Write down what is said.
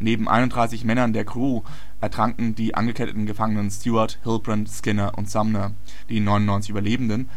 Neben 31 Männern der Crew ertranken die angeketteten Gefangenen Stewart, Hillbrant, Skinner und Sumner. Die 99 Überlebenden